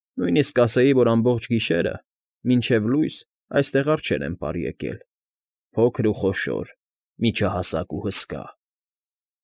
Նույնիսկ կասեի, որ ամբողջ գիշերը, մինչև լույս այստեղ արջեր են պար եկել՝ փոքր ու խոշոր, միջահասակ ու հսկա։